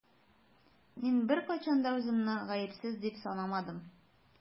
Мин беркайчан да үземне гаепсез дип санамадым.